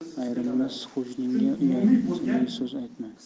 ayrilmas qo'shningga uyatli so'z aytma